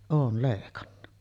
olen leikannut